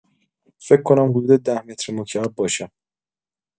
فک کنم حدود ۱۰ مترمکعب باشه.